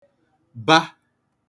ba